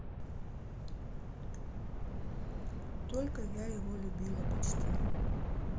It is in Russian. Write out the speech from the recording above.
только я его любила почти